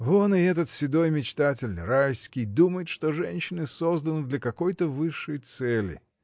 Вон и этот седой мечтатель, Райский, думает, что женщины созданы для какой-то высшей цели.